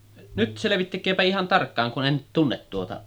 nyt selvittäkääpä ihan tarkkaan kun en tunne tuota